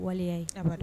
Waleya ye, abada